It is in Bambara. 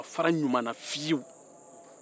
u ma fara ɲuman na fiyewu